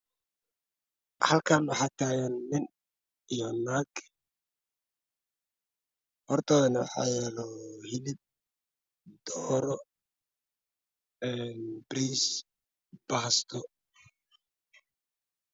Halkaan waxaa taagan nin iyo naag hortooda waxaa yaalo hilib, dooro, bariis iyo baasto.